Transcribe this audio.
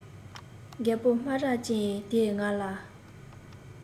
རྒད པོ སྨ ར ཅན དེས ང ལ